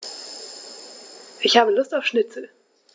Ich habe Lust auf Schnitzel.